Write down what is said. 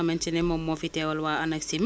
mais dafa nekk li nga xamante ne ñu ngi koy dund